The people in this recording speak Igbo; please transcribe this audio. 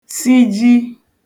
siji